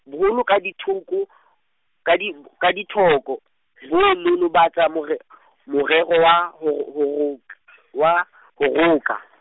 boholo ka dithoko , ka di-, ka dithoko , lo totobatsa more- , morero wa ho ro- ho rok- wa, wa roka.